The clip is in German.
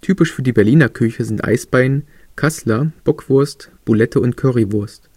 Typisch für die Berliner Küche sind Eisbein, Kasseler, Bockwurst, Bulette und Currywurst.